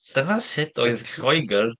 Dyna sut oedd Lloegr...